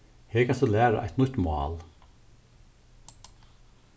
her kanst tú læra eitt nýtt mál